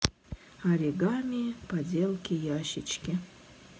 оригами поделки ящички